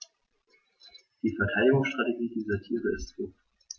Die Verteidigungsstrategie dieser Tiere ist Flucht.